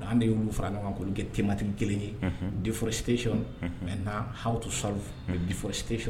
An de y'olu fara ɲɔgɔn kan ko kɛ thématique kelen ye deforestation and out solf deforestation